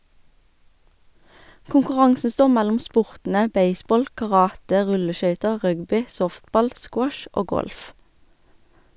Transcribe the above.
Konkurransen står mellom sportene baseball, karate, rulleskøyter, rugby, softball, squash og golf.